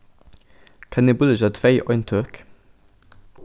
kann eg bíleggja tvey eintøk